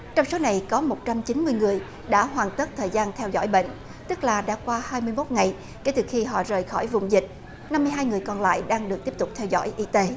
trong số này có một trăm chín mươi người đã hoàn tất thời gian theo dõi bệnh tức là đã qua hai mươi mốt ngày kể từ khi họ rời khỏi vùng dịch năm mươi hai người còn lại đang được tiếp tục theo dõi y tế